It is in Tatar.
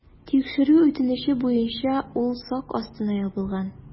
Тикшерү үтенече буенча ул сак астына ябылган.